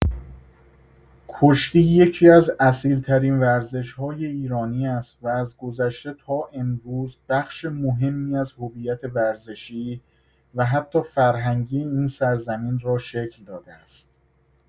کشتی یکی‌از اصیل‌ترین ورزش‌های ایرانی است و از گذشته تا امروز بخش مهمی از هویت ورزشی و حتی فرهنگی این سرزمین را شکل داده است.